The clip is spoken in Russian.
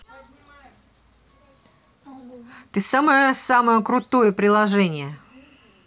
ты самое самое крутое приложение